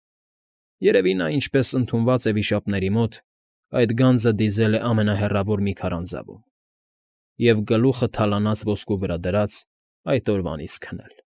Երևի նա, ինչպես ընդունված է վիշապների մոտ, այդ գանձը դիզել է ամենահեռավոր մի քարանձավում և, գլուխը թալանած ոսկու վրա դրած, այդ օրվանից քնել։